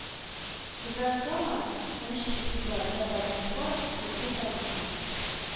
Түбән Кама, унөченче февраль, Татар информ , Сергей Толмацкий